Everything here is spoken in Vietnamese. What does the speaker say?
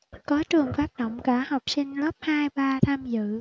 có trường phát động cả học sinh lớp hai ba tham dự